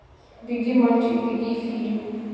беги мальчик беги фильм